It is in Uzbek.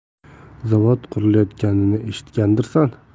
zavod qurilayotganini eshitgandirsan